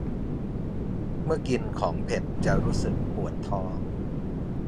เมื่อกินของเผ็ดจะรู้สึกปวดท้อง